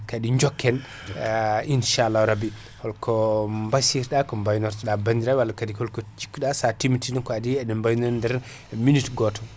kaadi jokken inchallahu rabbi holko basiyto ɗa ko baynorto bandiraɓe ɗa walla kaadi holko cikkuɗa sa timmitino ko adi eɗen baynodira e minute goto